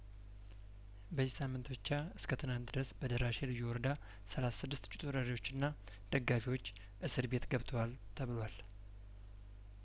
በዚህ ሳምንት ብቻ እስከትናንት ድረስ በደራሼ ልዩ ወረዳ ሰላሳ ስድስት እጩ ተወዳዳሪዎችና ደጋፊዎች እስር ቤት ገብተዋል ተብሏል